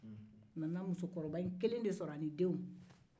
a nana musokɔrɔba in kelen ni denw de sɔrɔ